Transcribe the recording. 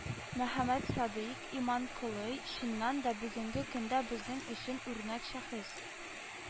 Мөхәммәтсадыйк Иманколый, чыннан да, бүгенге көндә безнең өчен үрнәк шәхес